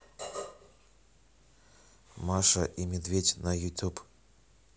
маша и медведь на ютуб